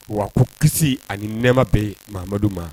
Waku kisi ani nɛma bɛmadu ma